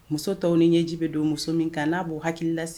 Muso tɔw ni ɲɛjibe don muso min kan n'a'o hakili lase